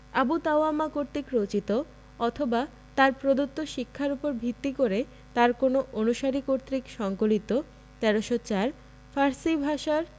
আবু তাওয়ামা কর্তৃক রচিত অথবা তাঁর প্রদত্ত শিক্ষার ওপর ভিত্তি করে তাঁর কোনো অনুসারী কর্তৃক সংকলিত ১৩০৪ ফার্সি ভাষার